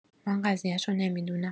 من قضیشو نمی‌دونم